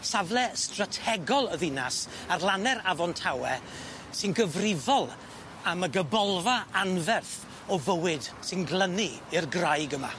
Safle strategol y ddinas ar lanne'r Afon Tawe sy'n gyfrifol am y gybolfa anferth o fywyd sy'n glynu i'r graig yma.